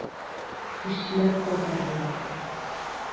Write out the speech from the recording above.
Көчләп кайтардылар бит.